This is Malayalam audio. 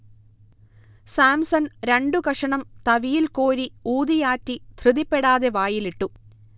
സാംസൺ രണ്ടു കഷണം തവിയിൽ കോരി ഊതിയാറ്റി ധൃതിപ്പെടാതെ വായിലിട്ടു